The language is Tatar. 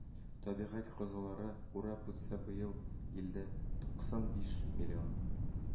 Табигать казалары урап үтсә, быел илдә 95 млн